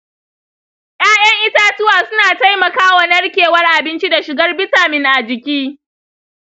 ya’yan itatuwa suna taimakawa narkewar abinci da shigar bitamin a jiki.